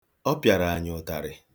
Ọ pịara anyị ụtarị.